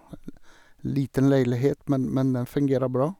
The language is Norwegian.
Liten leilighet, men men den fungerer bra.